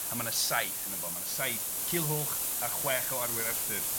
A ma' na saith yno fo, ma' na saith Culhwch a chwech o arwyr Arthur.